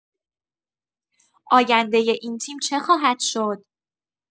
آینده این تیم چه خواهد شد؟